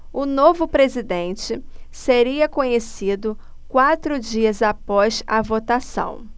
o novo presidente seria conhecido quatro dias após a votação